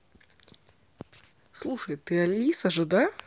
слушай ты алиса же да